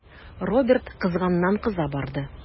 Роберт кызганнан-кыза барды.